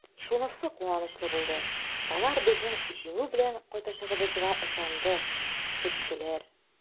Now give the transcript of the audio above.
Шунысы куанычлы булды: алар безнең җиңү белән кайтачагыбызга ышанды, көттеләр!